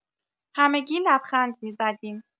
همگی لبخند می‌زدیم.